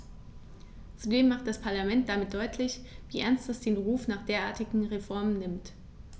Zudem macht das Parlament damit deutlich, wie ernst es den Ruf nach derartigen Reformen nimmt.